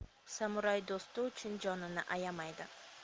samuray do'sti uchun jonini ayamaydi